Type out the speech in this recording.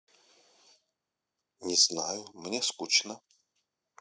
не знаю мне скучно